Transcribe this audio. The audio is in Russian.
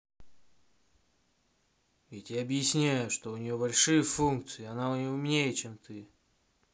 я тебе объясняю что у нее больше функций она умнее чем ты